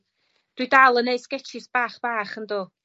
Dwi dal yn neud sgetsiys bach bach yndw.